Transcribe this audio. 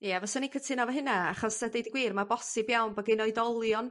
Ie fyswn i cytuno efo hynna achos a deud y gwir ma' bosib iawn bo' gin oedolion